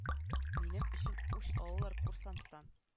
Минем өчен үч алалар курсанттан